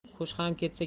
qush ham ketsa